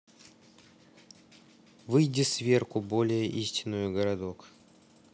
выйди сверку более истинную городок